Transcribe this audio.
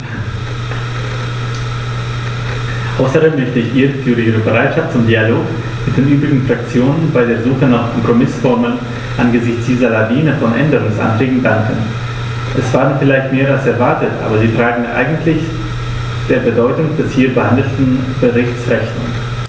Außerdem möchte ich ihr für ihre Bereitschaft zum Dialog mit den übrigen Fraktionen bei der Suche nach Kompromißformeln angesichts dieser Lawine von Änderungsanträgen danken; es waren vielleicht mehr als erwartet, aber sie tragen eigentlich der Bedeutung des hier behandelten Berichts Rechnung.